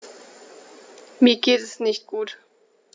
Mir geht es nicht gut.